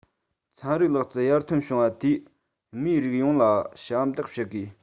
ཚན རིག ལག རྩལ ཡར ཐོན བྱུང བ དེས མིའི རིགས ཡོངས ལ ཞབས འདེགས ཞུ དགོས